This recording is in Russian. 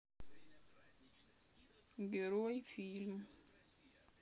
герой фильм